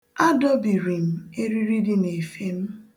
A dọbiri m eriri dị na efe m.